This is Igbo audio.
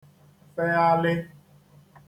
-feghalị